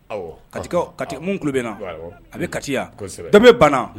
Ka ka minnu tulo bɛ na a bɛ kati yanbi bana